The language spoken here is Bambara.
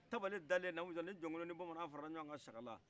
tabale dale namu bisimila ni bamana faralaɲɔgɔkan sakala